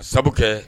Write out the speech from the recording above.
Sabu kɛ